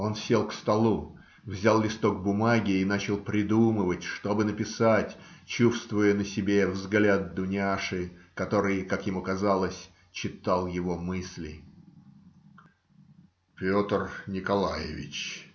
Он сел к столу, взял листок бумаги и начал придумывать, что бы написать, чувствуя на себе взгляд Дуняши, который, как ему казалось, читал его мысли. "Петр Николаевич,